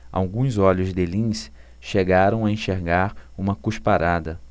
alguns olhos de lince chegaram a enxergar uma cusparada